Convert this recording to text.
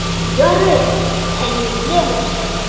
Ярый, хәерле булсын.